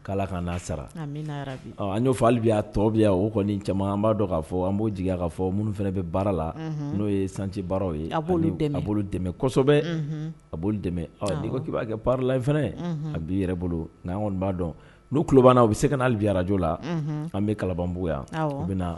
K' ka' sara an y'o fɔalebiya tɔbiya o kɔni caman an b'a dɔn k ka an b'o jigi ka fɔ minnu fana bɛ baara la n'o ye sanji baaraw ye' a bolo dɛmɛsɔ kosɛbɛ a bolo dɛmɛ ko i b'a kɛ pala in fana a b'i yɛrɛ bolo' b'a dɔn n'u kuba u bɛ se ka'alebiyarajo la an bɛ kalabanbugu yan u bɛ